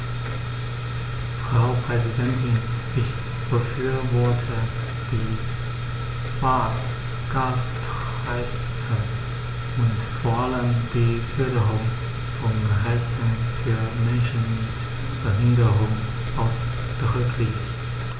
Frau Präsidentin, ich befürworte die Fahrgastrechte und vor allem die Förderung von Rechten für Menschen mit Behinderung ausdrücklich.